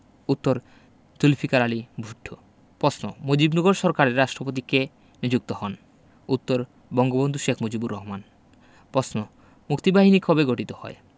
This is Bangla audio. উত্তরঃ জুলফিকার আলী ভুট্ট পশ্ন মুজিবনগর সরকারের রাষ্টপতি কে নিযুক্ত হন উত্তর বঙ্গবন্ধু শেখ মুজিবুর রহমান পশ্ন মুক্তিবাহিনী কবে গঠিত হয়